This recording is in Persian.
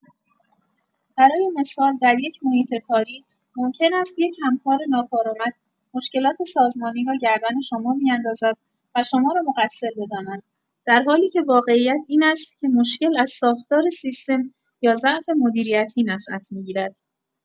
برای مثال، در یک محیط کاری، ممکن است یک همکار ناکارآمد مشکلات سازمانی را گردن شما بیندازد و شما را مقصر بداند، در حالی که واقعیت این است که مشکل از ساختار سیستم یا ضعف مدیریتی نشات می‌گیرد.